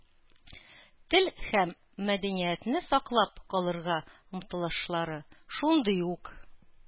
Тел һәм мәдәниятне саклап калырга омтылышлары шундый ук.